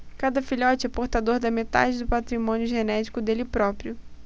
cada filhote é portador da metade do patrimônio genético dele próprio